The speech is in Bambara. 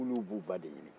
k'olu b'u ba de ɲini